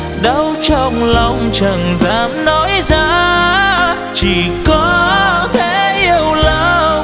đau trong lòng chẳng dám nói ra chỉ có thể yếu lòng